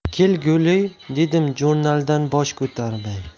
kel guli dedim jurnaldan bosh ko'tarmay